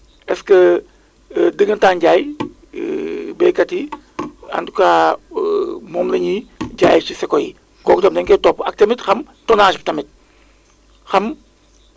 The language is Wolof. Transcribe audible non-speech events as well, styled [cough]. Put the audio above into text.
donc loolu moom mooy li nga xamante ni moom moo am donc [hesitation] jàngat bi ma ci def moom mooy gis naa ni que ren jii [hesitation] nawetu ren bi vraiment buñ ko [hesitation] méngalee ak nawetu daaw bio